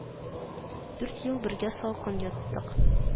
Дүрт ел бергә салкын яттык